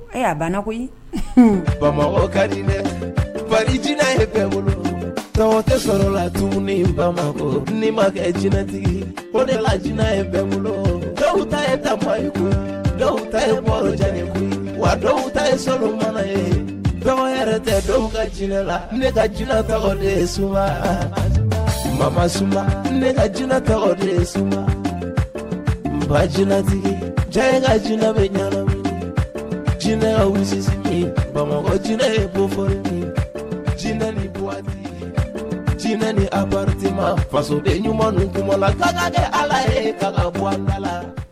Ayiwa a bana koyi bamakɔ ka jinɛinɛ fa jinɛina ye bɛɛ bolo dɔw tɛ sɔrɔ la dumuni bamakɔ ni makɛ jinɛtigi ko nela jina ye bɛ bolo dɔw ta ye ta kun dɔw ta ye morijɛlen wa dɔw ta ye sa mana ye dɔgɔ yɛrɛ tɛ dɔw ka jinɛ la ne ka jinɛina ta de su mama su ne jinɛina tare su ba jinɛinatigi cɛ ka jinɛ bɛ ɲaminɛ jinɛinɛsisin bamakɔ jinɛinɛ ye buɔri ye jinɛinɛ ni waati jinɛinɛ ni abatima faso bɛ ɲuman kuma la kaga ni ala ye kalanda la